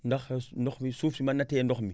ndax ndox mi suuf si mën na téye ndox mi